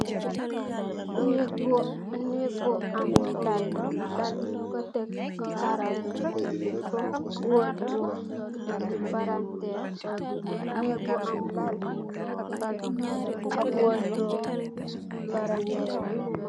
Nèèk bu am lal, lal bi ñung ko tek ci kaw karo bi, wodro, palanterr.